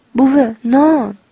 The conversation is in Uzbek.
buvi no oon